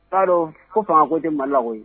I b'a dɔn ko fanga ko tɛ Mali la. koyi